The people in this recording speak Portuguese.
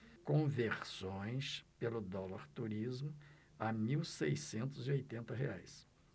conversões pelo dólar turismo a mil seiscentos e oitenta reais